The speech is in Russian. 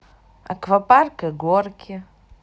аквапарк и горки